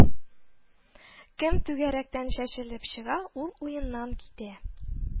Кем түгәрәктән чәчелеп чыга, ул уеннан китә